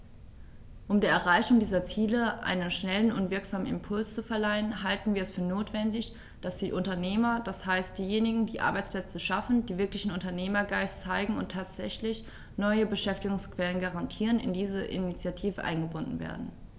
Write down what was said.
Um der Erreichung dieser Ziele einen schnellen und wirksamen Impuls zu verleihen, halten wir es für notwendig, dass die Unternehmer, das heißt diejenigen, die Arbeitsplätze schaffen, die wirklichen Unternehmergeist zeigen und tatsächlich neue Beschäftigungsquellen garantieren, in diese Initiative eingebunden werden.